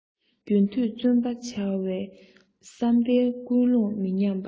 རྒྱུན མཐུད བརྩོན པ བྱ བའི བསམ པའི ཀུན སློང མི ཉམས པ